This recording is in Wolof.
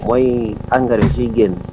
mooy engrais suy génn